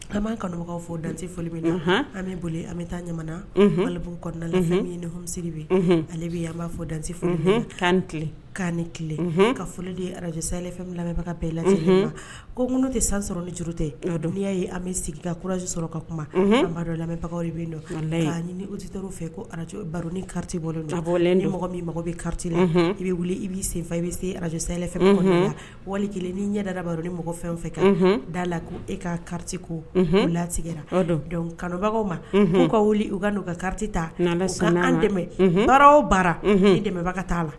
An b'an kanubagaw fo danse foli bɛ na an bɛ boli an bɛ taa ɲa ale b kada alefɛn ni nisiri bɛ ale bɛ yan an b'a fɔ dansefa kan kan tile ka fɔ de arajbaga bɛɛ lajɛ ko kɔnɔ tɛ san sɔrɔ ni juru tɛ ka don yyaa ye an bɛ sigi kurasi sɔrɔ ka kumaba labagaw bɛ donyitir fɛ ko arajro niti ni min mɔgɔ bɛ karatati la i bɛ wuli i b'i senfɛ i bɛ se araj fɛ wali kelen ni'i ɲɛdaba ni mɔgɔ fɛn fɛ ka da la ko e ka kati ko latigɛ kanubagaw ma ka wuli u ka donu ka karatati ta an dɛmɛ barow baara i dɛmɛbaga ka taa la